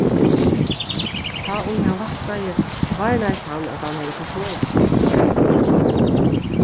tá ið hann vaknaði varnaðist hann at hann hevði forsovið seg